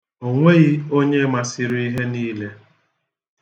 O nweghị onye masịrị ihe niile.